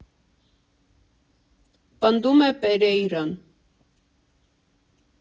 Պնդում է Պերեյրան։